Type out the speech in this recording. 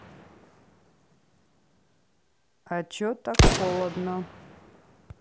а че так холодно